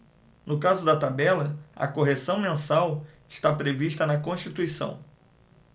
no caso da tabela a correção mensal está prevista na constituição